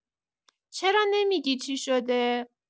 چرا نمی‌گی چی شده؟